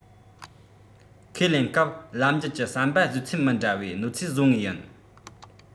ཁས ལེན སྐབས ལམ རྒྱུད ཀྱི ཟམ པ བཟོས ཚད མི འདྲ བའི གནོད འཚེ བཟོ ངེས ཡིན